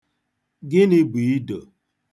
Gịnị bụ ido?